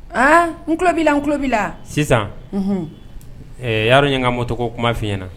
Aan, n tulo b'i la, n tulo b'i a sisan ɛɛ ye ka moto ko kuma fɔ i ɲɛna!